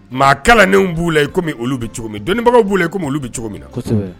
Maakadenw b'u la i komi olu bɛ cogo min dɔnniibagaw b'u iolu bɛ cogo min na